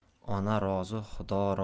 ona ro zi xudo